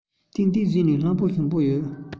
ཏན ཏན བཟས ན ལྷག པར ཞིམ པོ ཡོད